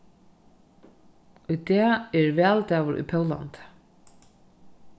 í dag er valdagur í póllandi